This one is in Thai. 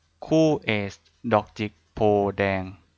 คู่เอซดอกจิกโพธิ์แดง